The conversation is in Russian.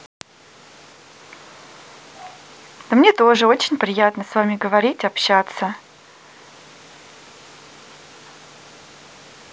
да мне тоже очень приятно с вами говорить общаться